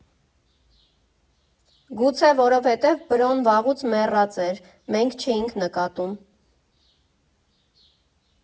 Գուցե որովհետև Բրոն վաղուց մեռած էր, մենք չէինք նկատում։